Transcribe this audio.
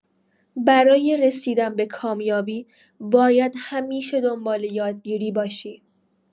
برای رسیدن به کامیابی، باید همیشه دنبال یادگیری باشی.